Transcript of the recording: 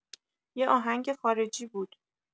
یه آهنگ خارجی بود